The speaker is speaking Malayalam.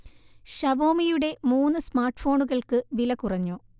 ഷവോമിയുടെ മൂന്ന് സ്മാർട്ഫോണുകൾക്ക് വില കുറഞ്ഞു